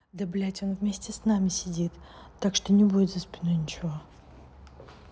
да блять он вместе с нами сидит так что не будет за спиной ничего